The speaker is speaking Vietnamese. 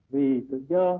vì tự do